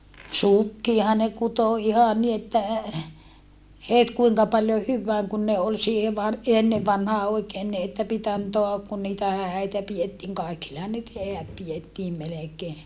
sukkiahan ne kutoi ihan niin että heti kuinka paljon hyvään kun ne oli siihen - ennen vanhaan oikein niin että piti antaa kun niitä häitä pidettiin kaikillehan nyt häät pidettiin melkein